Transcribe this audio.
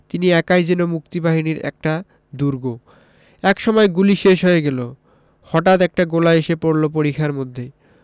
তিনি একাই যেন মুক্তিবাহিনীর একটা দুর্গ একসময় গুলি শেষ হয়ে গেল হটাঠ একটা গোলা এসে পড়ল পরিখার মধ্যে